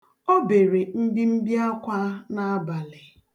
O bere mbimbiakwa n'abalị.